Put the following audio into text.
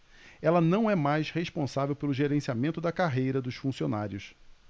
ela não é mais responsável pelo gerenciamento da carreira dos funcionários